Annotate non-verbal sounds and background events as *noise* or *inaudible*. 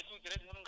*hesitation* *hesitation*